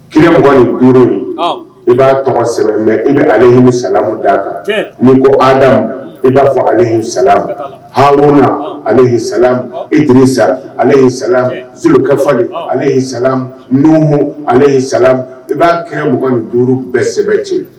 Kimɔgɔ ye duuru in i b'a tɔgɔ sɛbɛn mɛn i bɛ aleh samu d' kan n kodamu i b'a fɔ ale sa hauna ale sa ed sa ale'i sa segukafa ale y'i sa numu ale y'i sa i b'a kɛ mɔgɔ duuru bɛɛ sɛbɛnbɛ cɛ